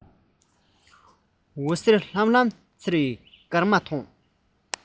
འོད ཟེར ལམ ལམ འཚེར བའི སྐར མ མཐོང